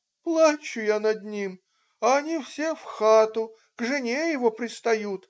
Плачу я над ним, а они все в хату. к жене его пристают.